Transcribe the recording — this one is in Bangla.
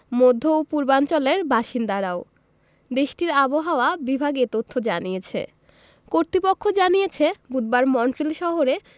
মধ্য ও পূর্বাঞ্চলের বাসিন্দারাও দেশটির আবহাওয়া বিভাগ এ তথ্য জানিয়েছে কর্তৃপক্ষ জানিয়েছে বুধবার মন্ট্রিল শহরে